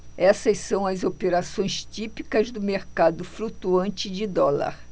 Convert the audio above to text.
essas são as operações típicas do mercado flutuante de dólar